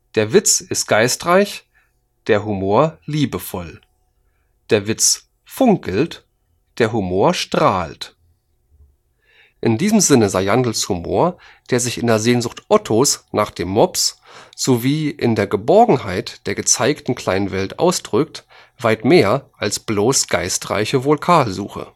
Der Witz ist geistreich, der Humor liebevoll. Der Witz funkelt, der Humor strahlt. “In diesem Sinne sei Jandls Humor, der sich in der Sehnsucht ottos nach dem mops sowie in der Geborgenheit der gezeigten kleinen Welt ausdrücke, weit mehr als bloß geistreiche Vokalsuche